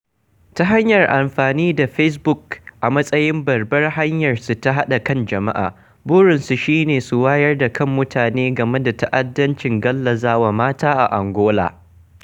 Ta hanyar amfani da Fesbuk a matsayin babbar hanyarsu ta haɗa kan jama'a, burinsu shi ne su wayar da kan mutane game da ta'addancin gallazawa mata a Angola.